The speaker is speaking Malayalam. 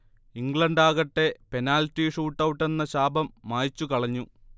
ഇംഗ്ലണ്ടാകട്ടെ പെനാൽറ്റി ഷൂട്ടൗട്ടെന്ന ശാപം മായ്ച്ചു കളഞ്ഞു